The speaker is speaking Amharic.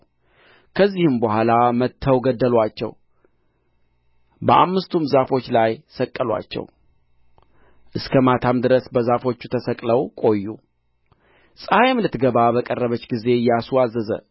ከዚህም በኋላ መትተው ገደሉአቸው በአምስቱም ዛፎች ላይ ሰቀሉአቸው እስከ ማታም ድረስ በዛፎቹ ተሰቅለው ቈዩ ፀሐይም ልትገባ በቀረበች ጊዜ ኢያሱ አዘዘ